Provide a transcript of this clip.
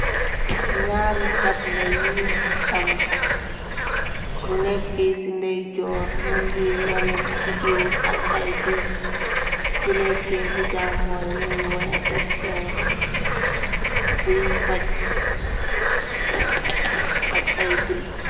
Naari taabla yun sampu bu nekk ci ndejor mungè wanè jigéen ak ay diw. Bu nekk ci chàmoñ mungi wanè doctorr bu fatch ak ay bind.